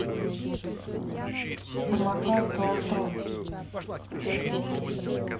самокат дуалтрон